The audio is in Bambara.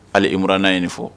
Alimrana ye nin fɔ.